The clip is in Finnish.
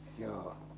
joo